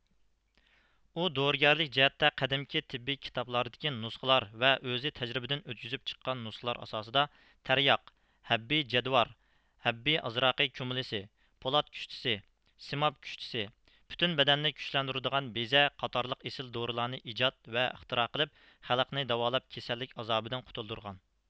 ئۇ دورىگەرلىك جەھەتتە قەدىمكى تېببىي كىتابلاردىكى نۇسخىلار ۋە ئۆزى تەجرىبىدىن ئۆتكۈزۈپ چىققان نۇسخىلار ئاساسىدا تەرياق ھەببى جەدۋار ھەببى ئازراقى كۇمۇلىسى پولات كۇشتىسى سىماب كۇشتىسى پۈتۈن بەدەننى كۈچلەندۈرىدىغان بىزە قاتارلىق ئېسىل دورىلارنى ئىجاد ۋە ئىختىرا قىلىپ خەلقنى داۋالاپ كېسەللىك ئازابىدىن قۇتۇلدۇرغان